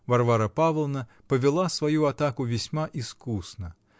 Варвара Павловна повела свою атаку весьма искусно